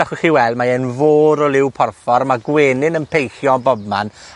allwch chi weld, mae e'n fôr o liw porffor. Ma' gwenyn yn peillio ym bobman.